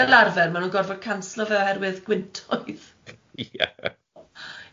Fel arfer, maen nhw'n gorfod canslo fe oherwydd gwyntoedd ie.